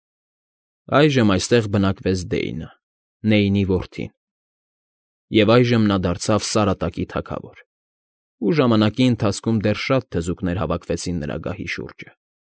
Այժմ այստեղ բնակվեց Դեյնը՝ Նեյնի որդին, և այժմ նա դարձավ սարատակի թագավոր, ու ժամանակի ընթացքում դեռ շատ թզուկներ հավաքվեցին նրա գահի շուրջը։